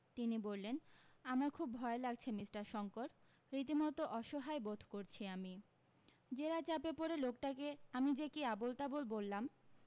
তিনি বললেন আমার খুব ভয় লাগছে মিষ্টার শংকর রীতিমতো অসহায় বোধ করছি আমি জেরার চাপে পড়ে লোকটাকে আমি যে কী আবোল তাবোল বললাম